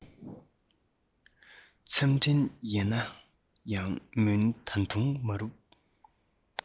མཚམས སྤྲིན ཡལ ན ཡང མུན ད དུང མ རུབ